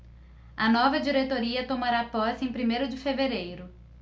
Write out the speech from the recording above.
a nova diretoria tomará posse em primeiro de fevereiro